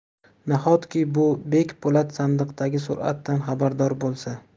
nahotki bu bek po'lat sandiqdagi suratdan xabardor bo'lsa